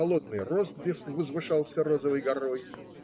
Холодный ростбиф возвышался розовой горой.